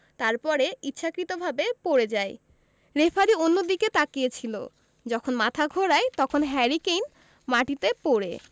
তারপরে ইচ্ছাকৃতভাবে পড়ে যায় রেফারি অন্যদিকে তাকিয়ে ছিল যখন মাথা ঘোরায় তখন হ্যারি কেইন মাটিতে পড়ে